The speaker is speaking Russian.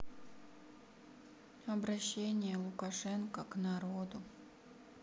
обращение лукашенко к народу